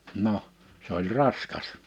no se oli raskas